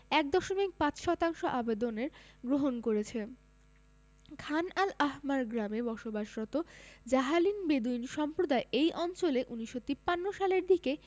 ১.৫ শতাংশ আবেদনের গ্রহণ করেছে খান আল আহমার গ্রামে বসবাসরত জাহালিন বেদুইন সম্প্রদায় এই অঞ্চলে ১৯৫৩ সালের দিকে